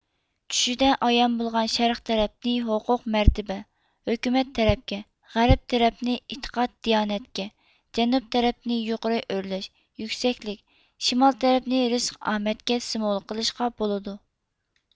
چۈشىدە ئايان بولغان شەرق تەرەپنى ھوقۇق مەرتىبە ھۆكۈمەت تەرەپكە غەرىپ تەرەپنى ئىتىقاد دىيانەتكە جەنۇپ تەرەپنى يۇقىرى ئۆرلەش يۇكسەكلىك شىمال تەرەپنى رىسىق ئامەتكە سېموۋول قىلىشقا بولىدۇ